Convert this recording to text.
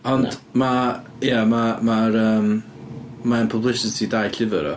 Ond ma', ia ma', ma'r yym, mae'n publicity da i llyfr o.